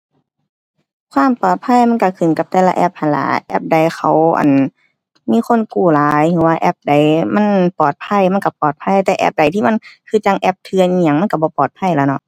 ความปลอดภัยมันก็ขึ้นกับแต่ละแอปหั้นล่ะ แอปใดเขา อั่น มีคนกู้หลาย ฮึว่าแอปใดมันปลอดภัย มันก็ปลอดภัยแต่แอปใดที่มัน คือจั่งแอปเถื่อนอิหยังมันก็บ่ปลอดภัยล่ะเนาะ